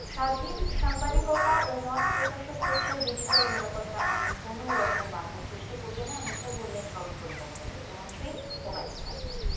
স্বাধীন সাংবাদিকতা ও মত প্রকাশের ক্ষেত্রে ডিজিটাল নিরাপত্তা আইন কোন রকম বাধা সৃষ্টি করবে না এমনটাই বললেন সড়ক পরিবহন ও সেতুমন্ত্রী ওবায়দুল কাদের